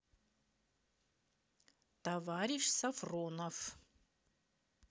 товарищ сафронов